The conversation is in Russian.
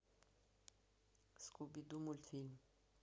скуби ду мультфильм